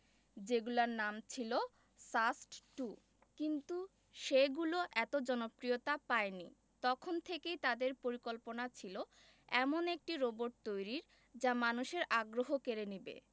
যেগুলার নাম ছিল সাস্ট টু কিন্তু সেগুলো এত জনপ্রিয়তা পায়নি তখন থেকেই তাদের পরিকল্পনা ছিল এমন একটি রোবট তৈরির যা মানুষের আগ্রহ কেড়ে নেবে